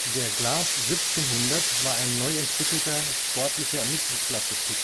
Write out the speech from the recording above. Der Glas 1700 war ein neu entwickelter sportlicher Mittelklasse-PKW